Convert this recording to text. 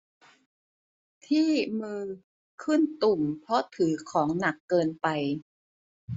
ที่มือขึ้นตุ่มเพราะถือของหนักเกินไป